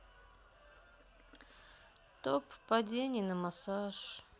топ падений на массаж